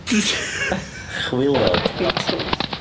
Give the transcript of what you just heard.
Chwilod?... Beetles.